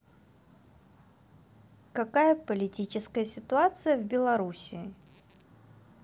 какая политическая ситуация в белоруссии